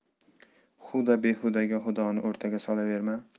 huda behudaga xudoni o'rtaga solaverma